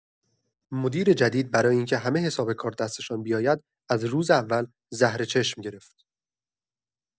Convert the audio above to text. مدیر جدید برای اینکه همه حساب کار دستشان بیاید، از روز اول زهر چشم گرفت.